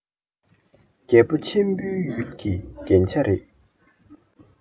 རྒྱལ པོ ཆེན པོ ཡུལ གྱི རྒྱན ཆ རེད